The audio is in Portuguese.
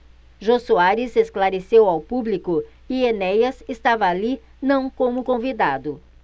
jô soares esclareceu ao público que enéas estava ali não como convidado